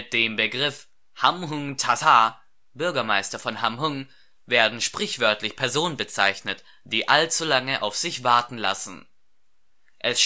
dem Begriff Hamhŭng chasa (함흥차사, Bürgermeister von Hamhŭng) werden sprichwörtlich Personen bezeichnet, die allzu lange auf sich warten lassen. Es